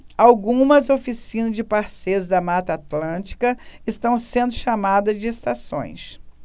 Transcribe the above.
algumas oficinas de parceiros da mata atlântica estão sendo chamadas de estações